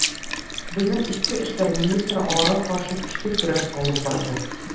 Безнең эчке эшләр министры аларга каршы көчле көрәш алып барды.